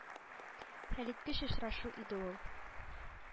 Хәлиткеч очрашу иде ул.